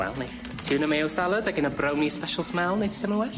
Wel neith tuna mayo salad ag un o brownie special Mel neu ti teimlo well?